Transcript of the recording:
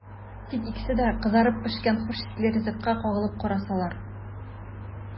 Тик икесе дә кызарып пешкән хуш исле ризыкка кагылып карасалар!